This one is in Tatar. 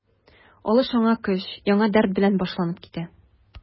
Алыш яңа көч, яңа дәрт белән башланып китә.